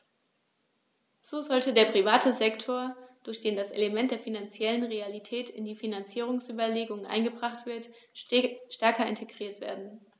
So sollte der private Sektor, durch den das Element der finanziellen Realität in die Finanzierungsüberlegungen eingebracht wird, stärker integriert werden.